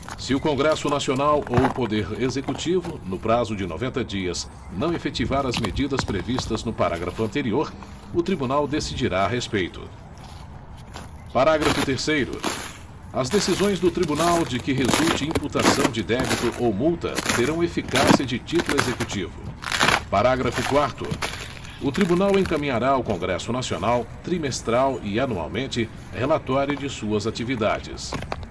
se o congresso nacional ou o poder executivo no prazo de noventa dias não efetivar as medidas previstas no parágrafo anterior o tribunal decidirá a respeito parágrafo terceiro as decisões do tribunal de que resulte imputação de débito ou multa terão eficácia de título executivo parágrafo quarto o tribunal encaminhará ao congresso nacional trimestral e anualmente relatório de suas atividades